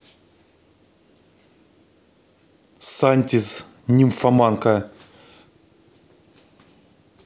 santiz нимфоманка